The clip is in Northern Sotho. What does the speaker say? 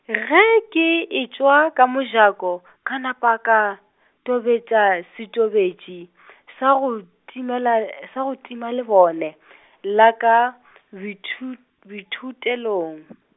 ge ke etšwa ka mojako ka napa ka tobetša setobetši sa go timela sa go tima lebone la ka boithut- boithutelong .